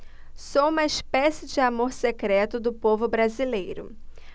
sou uma espécie de amor secreto do povo brasileiro